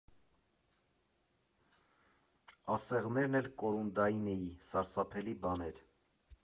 Ասեղներն էլ կորունդային էի, սարսափելի բան էր։